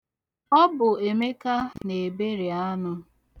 Ọ bụ Emeka na-eberi anụ.